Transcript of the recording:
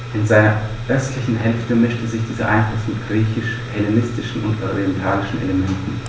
In seiner östlichen Hälfte mischte sich dieser Einfluss mit griechisch-hellenistischen und orientalischen Elementen.